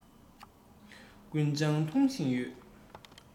རྒུན ཆང འཐུང བཞིན ཡོད